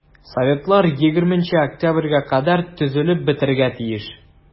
Советлар 20 октябрьгә кадәр төзелеп бетәргә тиеш.